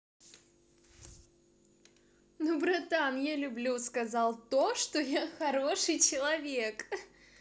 ну братан я люблю сказал то что я хороший человек